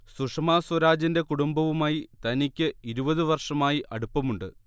സുഷമാ സ്വരാജിന്റെ കുടുംബവുമായി തനിക്ക് ഇരുപത് വർഷമായി അടുപ്പമുണ്ട്